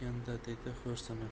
ekan da dedi xo'rsinib